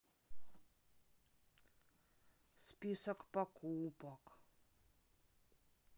список покупок